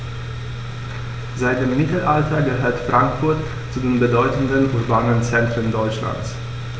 Seit dem Mittelalter gehört Frankfurt zu den bedeutenden urbanen Zentren Deutschlands.